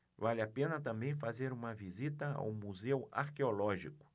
vale a pena também fazer uma visita ao museu arqueológico